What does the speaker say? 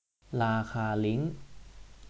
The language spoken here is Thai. ราคาลิ้ง